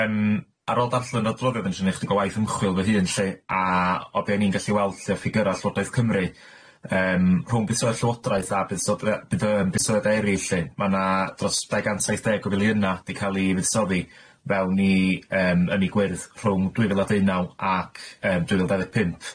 Yym ar ôl darllen adroddiad nes i neu' chydig o waith ymchwil fy hun lly a o be' o'n i'n gallu weld lly o ffigyra Llywodraeth Cymru yym rhwng buddsoddi Llywodraeth a buddsode- budd- yym buddsodedd eryll lly ma' na dros dau gant saith deg o filiyynna di ca'l i fuddsoddi fewn i yym yn ynni gwyrdd rhwng dwy fil a deunaw ac yym dwy fil dau ddeg pump.